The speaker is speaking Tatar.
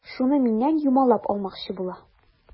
Шуны миннән юмалап алмакчы була.